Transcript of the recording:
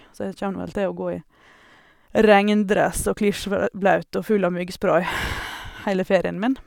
Så jeg kjem nå vel til å gå i regndress og klissv blaut og full av myggspray heile ferien min.